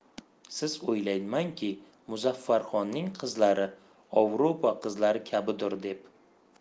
siz o'ylamangki muzaffarxonning qizlari ovrupo qizlari kabidur deb